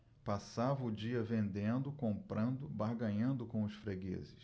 passava o dia vendendo comprando barganhando com os fregueses